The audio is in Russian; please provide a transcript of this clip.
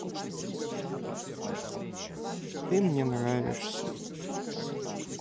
ты мне нравишься